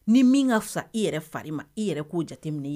Ni min ka fila i yɛrɛ fari ma i yɛrɛ k'o jateminɛ ye